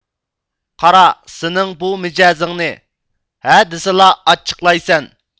قارا سېنىڭ بۇ مىجەزىڭنى ھە دېسىلا ئاچچىقلايسەن